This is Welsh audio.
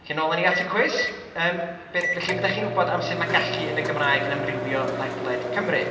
Felly, yn ôl i ni at y cwis, yym be felly be dach chi'n wybod am sut mae gallu yn y Gymraeg yn amrwywio ledled Cymru.